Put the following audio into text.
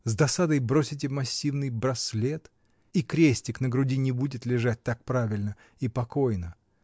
с досадой бросите массивный браслет, и крестик на груди не будет лежать так правильно и покойно.